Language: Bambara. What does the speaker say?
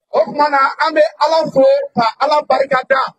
O tuma an ni ala foyi ka ala barika da